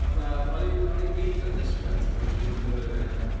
Fatha o'n i o'n i eitha desperate pan wnes i ddod i fyny 'fo rhein ia.